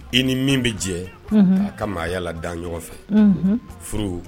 I ni min bɛ jɛ aa ka maayala da ɲɔgɔn fɛ furu